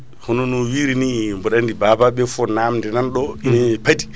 khono no wirini boɗo andi babaɓe foof namde nanɗo inee padi